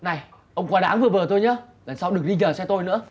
này ông quá đáng vừa vừa thôi nhớ lần sau đừng đi nhờ xe tôi nữa